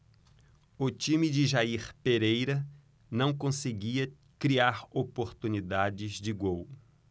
o time de jair pereira não conseguia criar oportunidades de gol